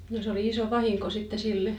no se oli iso vahinko sitten sille